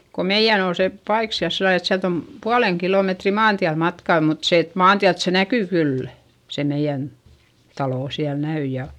kun meidän oli se paikka siellä sillä lailla että sieltä on puolen kilometriä maantielle matkaa mutta se että maantieltä se näkyy kyllä se meidän talo siellä näkyi ja